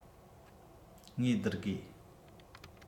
ངེས སྡུར དགོས